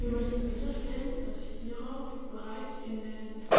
Wir möchten sicherstellen, dass hierauf bereits in den